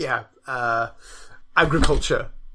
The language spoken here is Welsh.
ie, yy, agriculture,